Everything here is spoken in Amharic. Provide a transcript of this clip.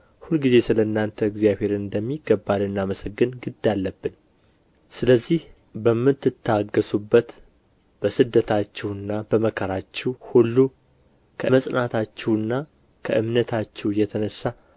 ሁልጊዜ ስለ እናንተ እግዚአብሔርን እንደሚገባ ልናመሰግን ግድ አለብን ስለዚህ በምትታገሱበት በስደታችሁና በመከራችሁ ሁሉ ከመጽናታችሁና ከእምነታችሁ የተነሣ